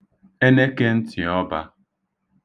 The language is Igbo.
enekēn̄tị̀ọbā